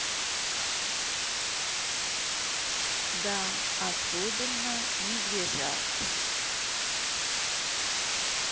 да особенно в медвежат